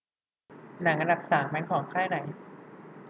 หนังอันดับสามเป็นของค่ายไหน